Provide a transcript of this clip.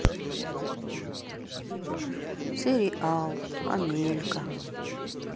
сериал амелька